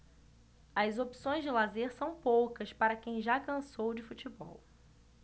as opções de lazer são poucas para quem já cansou de futebol